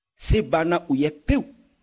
se banna u ye pewu